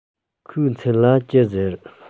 ཁོའི མཚན ལ ཅི ཟེར